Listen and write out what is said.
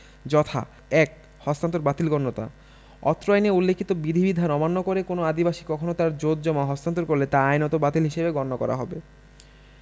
যথা ১ হস্তান্তর বাতিল গণ্যতা অত্র আইনে উল্লিখিত বিধিবিধান অমান্য করে কোন আদিবাসী কখনো তার জোতজমা হস্তান্তর করলে তা আইনত বাতিল হিসেবে গণ্য করা হবে